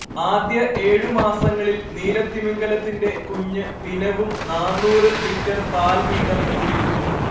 ആദ്യ ഏഴു മാസങ്ങളിൽ നീലത്തിമിംഗിലത്തിന്റെ കുഞ്ഞ് ദിനവും നാന്നൂറ് ലിറ്റര്‍ പാൽ വീതം കുടിക്കുന്നു